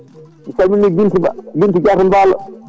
mi salmini Bintou Ba Bintou Dia to mbaalo